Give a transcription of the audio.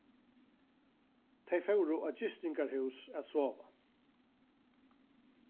tey fóru á gistingarhús at sova